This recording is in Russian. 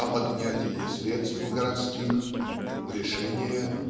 О поднятии средств городских. Решение